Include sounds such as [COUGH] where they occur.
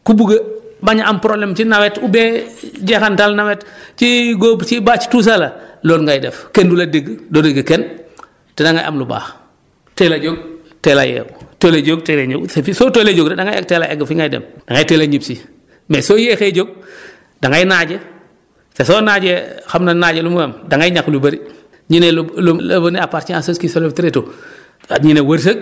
ku bugg a bañ a am problème ci nawet oubien jeexantal nawet ci góob ci bàcc tout ça là loolu ngay def kenn du la dégg doo dégg kenn te da ngay am lu baax teel a jóg teel a yeewu teel a jóg teel a ñëw et puis soo teelee jóg rek da ngay teel a egg fi ngay dem da ngay teel a ñibbi si mais soo yéexee jóg [BREATH] da ngay naaje te soo naajee [HESITATION] xam na naaje lu muy am da ngay ñàkk lu bëri énu ne lu [HESITATION] l' avenir appartient à ceux qui se lèvent très tôt [BREATH] ak énu ne wërsëg